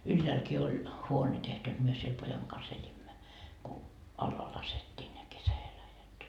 ylhäälläkin oli huone tehty jotta me siellä pojan kanssa elimme kun alas laskettiin ne kesäeläjät